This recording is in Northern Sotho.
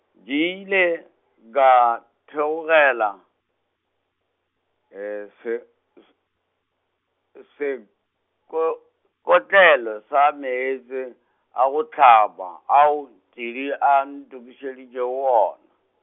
ke ile ka theogela, se s- seko- -kotlelo sa meetse a go hlapa, ao Tshidi a ntokišeditšego ona.